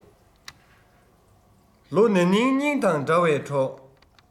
ལོ ན ནིང སྙིང དང འདྲ བའི གྲོགས